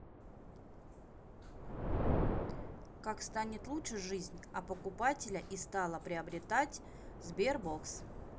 как станет лучше жизнь а покупателя и стала приобретать sberbox